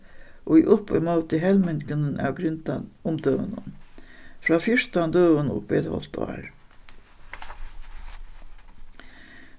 í upp ímóti av umdømunum frá fjúrtan døgum upp í eitt hálvt ár